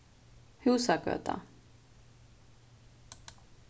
húsagøta